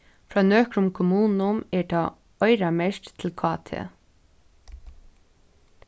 frá nøkrum kommunum er tað oyramerkt til kt